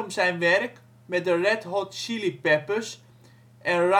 zijn werk met de Red Hot Chili Peppers en